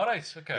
O reit ocê.